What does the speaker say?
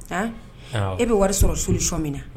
Hann awɔ e bɛ wari sɔrɔ solution minna na